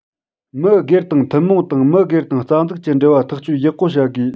མི སྒེར དང ཐུན མོང དང མི སྒེར དང རྩ འཛུགས ཀྱི འབྲེལ བ ཐག གཅོད ཡག པོ བྱ དགོས